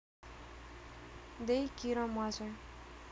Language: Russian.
day kierra mother